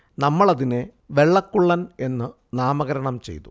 നമ്മളതിനെ വെള്ളക്കുള്ളൻ എന്ന് നാമകരണം ചെയ്തു